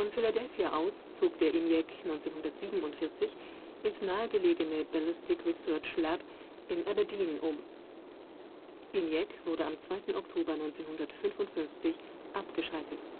Philadelphia aus zog der ENIAC 1947 ins nahegelegene Ballistic Research Lab in Aberdeen um. ENIAC wurde am 2. Oktober 1955 abgeschaltet